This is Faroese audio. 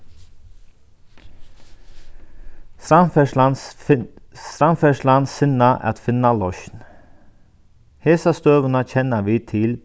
strandferðslan strandferðslan sinnað at finna loysn hesa støðuna kenna vit til